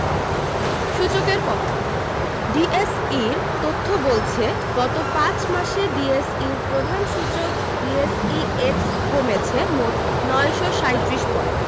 সূচকের পতন ডিএসইর তথ্য বলছে গত ৫ মাসে ডিএসইর প্রধান সূচক ডিএসইএক্স কমেছে মোট ৯৩৭ পয়েন্ট